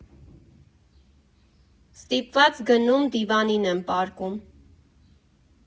Ստիպված գնում, դիվանին եմ պառկում։